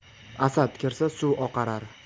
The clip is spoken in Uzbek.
asad kirsa suv oqarar